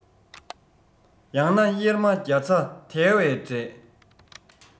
ཡང ན གཡེར མ རྒྱ ཚྭ དྭ བའི འབྲས